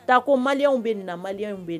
Tako malien bɛ ni na malien bɛ ni na